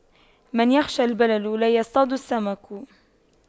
من يخشى البلل لا يصطاد السمك